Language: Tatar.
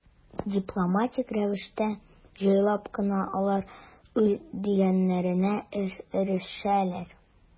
Дипломатик рәвештә, җайлап кына алар үз дигәннәренә ирешәләр.